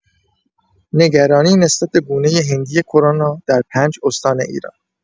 نگرانی نسبت به گونه هندی کرونا در پنج استان ایران